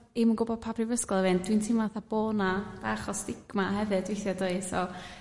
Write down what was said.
'im yn gwbo pa brifysgol i fynd dwi'n teimo atha bo' 'na bach o sdigma hefyd withia does o